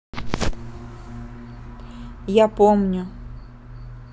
я помню